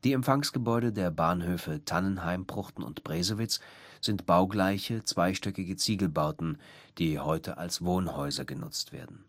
Empfangsgebäude der Bahnhöfe Tannenheim, Pruchten und Bresewitz sind baugleiche zweistöckige Ziegelbauten, die heute als Wohnhäuser genutzt werden